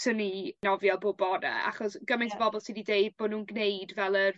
swn i nofio bob bore achos gymaint o bobol sy 'di deu bo' nw'n gneud fel yr